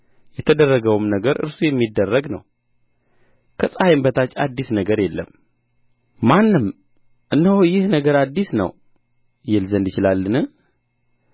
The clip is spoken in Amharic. የተደረገውም ነገር እርሱ የሚደረግ ነው ከፀሐይም በታች አዲስ ነገር የለም ማንም እነሆ ይህ ነገር አዲስ ነው ይል ዘንድ ይችላልን